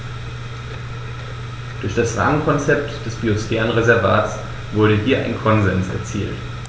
Durch das Rahmenkonzept des Biosphärenreservates wurde hier ein Konsens erzielt.